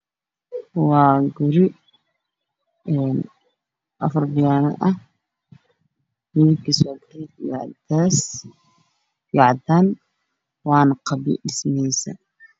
Waa guri afar biyano ah midabkis waa garey io cades io cadan wana qabyo